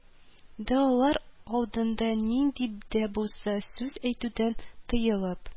Да алар алдында нинди дә булса сүз әйтүдән тыелып